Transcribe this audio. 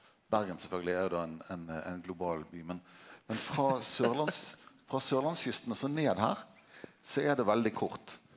Bergen sjølvsagt er jo då ein ein ein global by men men frå sørlands frå sørlandskysten også ned her så er det veldig kort.